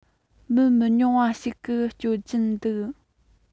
མི མི ཉུང བ ཞིག གིས སྤྱོད གི འདུག